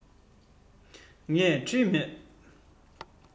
ངས བྲིས མེད